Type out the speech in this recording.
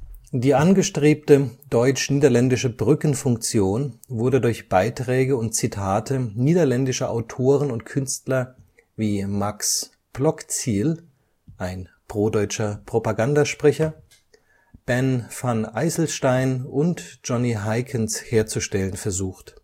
Die angestrebte deutsch-niederländische Brückenfunktion wurde durch Beiträge und Zitate niederländischer Autoren und Künstler wie Max Blokzijl (prodeutscher Propagandasprecher), Ben van Eysselsteijn und Jonny Heykens herzustellen versucht